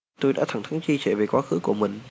tôi đã thẳng thắn chia sẻ về quá khứ của mình